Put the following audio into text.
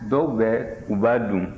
dɔw bɛ u b'a dun